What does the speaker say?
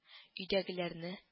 Өйдәгеләрне